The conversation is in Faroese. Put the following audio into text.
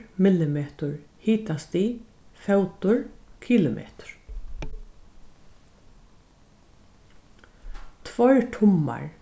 millimetur hitastig fótur kilometur tveir tummar